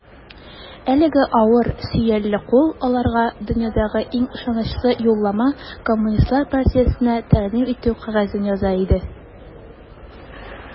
Әлеге авыр, сөялле кул аларга дөньядагы иң ышанычлы юллама - Коммунистлар партиясенә тәкъдим итү кәгазен яза иде.